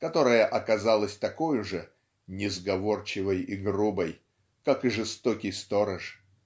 которая оказалась такою же "несговорчивой и грубой" как и жестокий сторож.